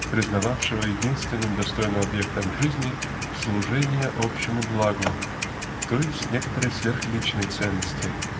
признававшего единственным достойным объектом жизни -- служение общему благу т. е. некоторой сверхличной ценности.